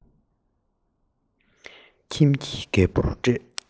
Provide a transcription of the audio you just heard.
ཁྱིམ ཀྱི རྒད པོར སྤྲད